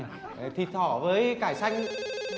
thịt thỏ với cải xanh